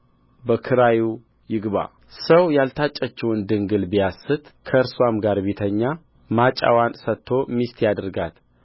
በክራዩ ይግባ ሰው ያልታጨችውን ድንግል ቢያስታት ከእርስዋም ጋር ቢተኛ ማጫዋን ሰጥቶ ሚስት ያድርጋት